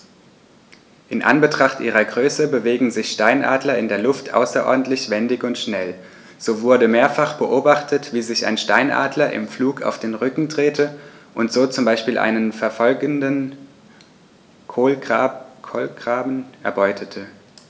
In Anbetracht ihrer Größe bewegen sich Steinadler in der Luft außerordentlich wendig und schnell, so wurde mehrfach beobachtet, wie sich ein Steinadler im Flug auf den Rücken drehte und so zum Beispiel einen verfolgenden Kolkraben erbeutete.